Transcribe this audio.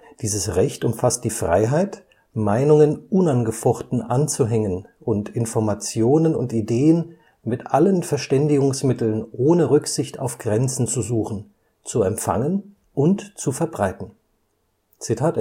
dieses Recht umfasst die Freiheit, Meinungen unangefochten anzuhängen und Informationen und Ideen mit allen Verständigungsmitteln ohne Rücksicht auf Grenzen zu suchen, zu empfangen und zu verbreiten. “Für